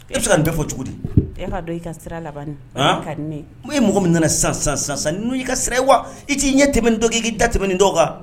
I bɛ se ka nin n tɛ fɔ cogo di ka i ka sira laban ka di ne n ye mɔgɔ min nana sisansan sansan n'u'i ka sira i wa i t'i ɲɛ tɛmɛ i'i da tɛmɛ nin dɔgɔ kan